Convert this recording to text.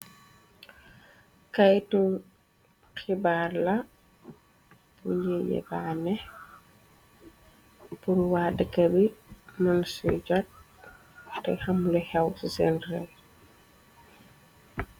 Kayyul xibaar la, bune yeba ne, bur wa dëkka bi mën su jat, te xamulu xew ci sen rel.